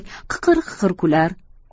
qiqir qiqir kular